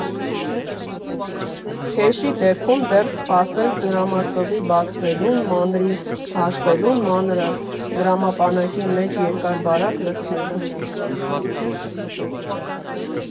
Քեշի դեպքում՝ դեռ սպասել դրամարկղի բացվելուն, մանրի հաշվելուն, մանրը դրամապանակի մեջ երկար֊բարակ լցնելը…